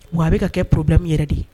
Wa a bɛ ka kɛ problème yɛrɛ de ye.